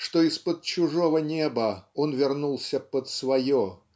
что из-под чужого неба он вернулся под свое